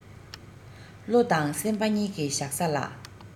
བློ དང སེམས པ གཉིས ཀྱི བཞག ས ལ